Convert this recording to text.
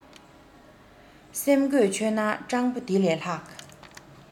སེམས གོས ཆོད ན སྤྲང པོ དེ ལས ལྷག